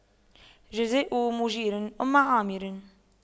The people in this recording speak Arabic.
جزاء مُجيرِ أُمِّ عامِرٍ